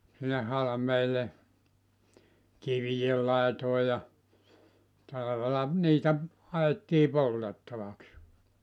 sinne halmeelle kivien laitoihin ja talvella niitä haettiin poltettavaksi